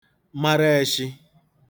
mara ēshī